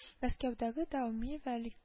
Мәскәүдәге дами вәли